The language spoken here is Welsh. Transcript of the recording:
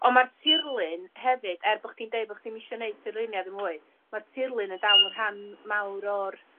On' ma'r tirlun hefyd er bo' chi'n deud bo' chdi ddim isio neud tirluniau ddim mwy, ma'r tirlun yn dal yn rhan mawr o'r